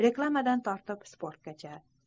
reklamadan tortib sportgacha